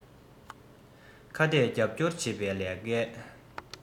ཁ གཏད རྒྱབ སྐྱོར བྱེད པའི ལས ཀའི